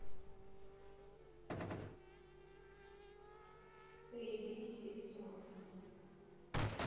эй би си сонг